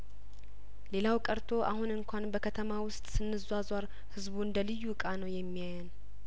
ሌላው ቀርቶ አሁን እንኳን በከተማ ውስጥ ስንዟዟር ህዝቡ እንደ ልዩ እቃ ነው የሚያየን